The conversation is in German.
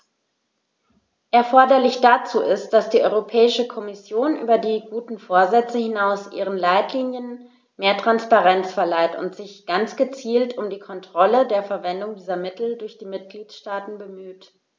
Erforderlich dazu ist, dass die Europäische Kommission über die guten Vorsätze hinaus ihren Leitlinien mehr Transparenz verleiht und sich ganz gezielt um die Kontrolle der Verwendung dieser Mittel durch die Mitgliedstaaten bemüht.